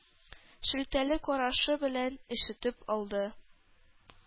Шелтәле карашы белән өшетеп алды.